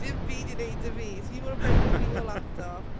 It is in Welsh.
dim byd i wneud 'da fi. If you want to bend over your laptop...